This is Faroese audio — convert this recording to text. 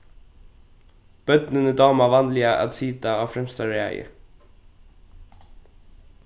børnini dáma vanliga at sita á fremsta raði